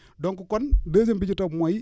donc ko deuxième bi ci topp mooy